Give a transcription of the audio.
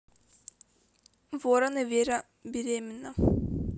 воронины вера беременна